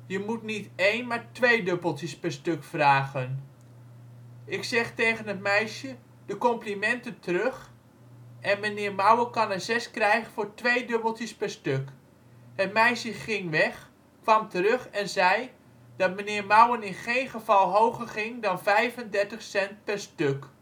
Je moet niet één, maar twee dubbeltjes per stuk vragen. Ik zeg tegen het meisje: De complimenten terug en meneer Mouwen kan er zes krijgen voor twee dubbeltjes per stuk. Het meisje ging weg, kwam terug en zei, dat meneer Mouwen in geen geval hoger ging dan vijfendertig cent per stuk